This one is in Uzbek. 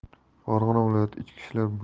farg'ona viloyati ichki ishlar